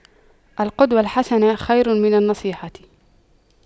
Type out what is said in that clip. القدوة الحسنة خير من النصيحة